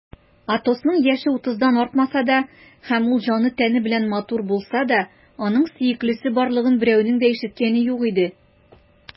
Атосның яше утыздан артмаса да һәм ул җаны-тәне белән матур булса да, аның сөеклесе барлыгын берәүнең дә ишеткәне юк иде.